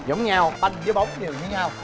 giống nhau banh với bóng đều như nhau